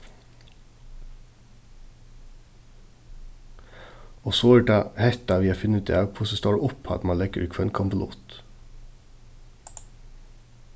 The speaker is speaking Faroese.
og so er tað hetta við at finna útav hvussu stóra upphædd mann leggur í hvønn konvolutt